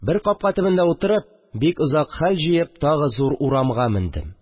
Бер капка төбендә утырып, бик озак зур хәл җыеп, тагы урамга мендем